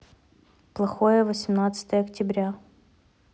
плохое восемнадцатое октября